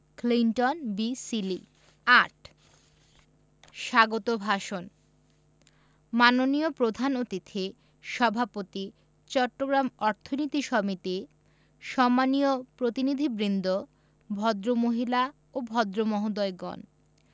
Clinton B Seely ৮ স্বাগত ভাষণ মাননীয় প্রধান অতিথি সভাপতি চট্টগ্রাম অর্থনীতি সমিতি সম্মানীয় প্রতিনিধিবৃন্দ ভদ্রমহিলা ও ভদ্রমহোদয়গণ